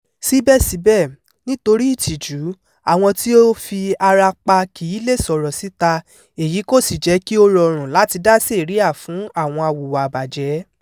Síbẹ̀síbẹ̀, nítorí ìtìjú àwọn tí ó fi ara pa kì í leè sọ̀rọ̀ síta èyí kò sì jẹ́ kí ó rọrùn láti dá sẹ̀ríà fún àwọn awùwà ìbàjẹ́.